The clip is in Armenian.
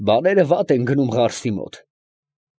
Բաները վատ են գնում Ղարսի մոտ։